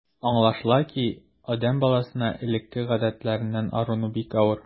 Аңлашыла ки, адәм баласына элекке гадәтләреннән арыну бик авыр.